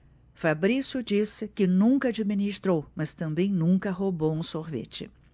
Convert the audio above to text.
fabrício disse que nunca administrou mas também nunca roubou um sorvete